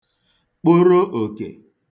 kporo òkè